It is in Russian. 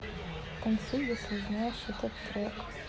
танцуй если знаешь этот трек